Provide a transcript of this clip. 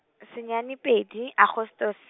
senyane pedi Agostose.